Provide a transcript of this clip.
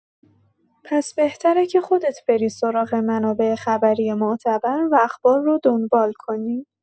پس بهتره که خودت بری سراغ منابع خبری معتبر و اخبار رو دنبال کنی.